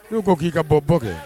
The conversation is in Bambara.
U' ko k'i ka bɔ bɔ kɛ